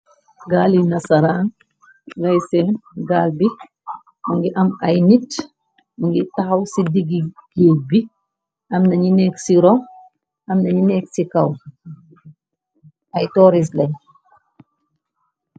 Gaal yi nasaraan gayseen gaal bi ngi am ay nit ngi taw ci diggi giet bi am nañu nekk ci rom am nañu nekk ci kaw ay torislen.